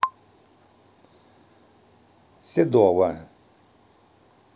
седова